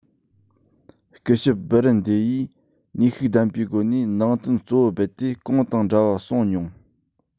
སྐུ ཞབས སྦུ རན སྡེ ཡིས ནུས ཤུགས ལྡན པའི སྒོ ནས ནང དོན གཙོ བོ རྦད དེ གོང དང འདྲ བ གསུངས མྱོང